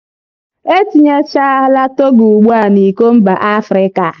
E tinyeghachila Togo ugbu a n'Iko Mba Africa.